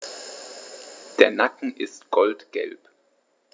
Der Nacken ist goldgelb.